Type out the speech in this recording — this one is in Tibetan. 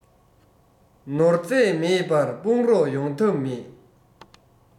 ནོར རྫས མེད པར དཔུང རོགས ཡོང ཐབས མེད